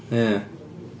Ia.